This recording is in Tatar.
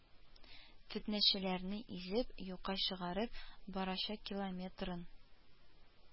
Фетнәчеләрне изеп, юкка чыгарып барачакилометрын